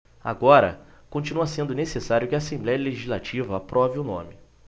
agora continua sendo necessário que a assembléia legislativa aprove o nome